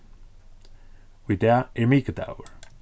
í dag er mikudagur